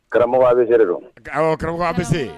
Karamɔgɔ a bɛ yɛrɛ dɔn karamɔgɔ a bɛ se